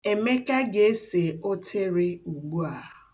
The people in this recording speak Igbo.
Emeka ga-ese ụtịrị ugbu a.